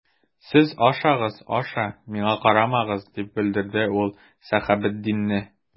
Сез ашагыз, аша, миңа карамагыз,— дип бүлдерде ул Сәхәбетдинне.